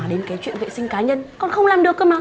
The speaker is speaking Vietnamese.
mà đến cái chuyện vệ sinh cá nhân còn không làm được cơ mà